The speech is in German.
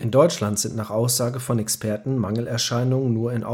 Deutschland sind nach Aussage von Experten Mangelerscheinungen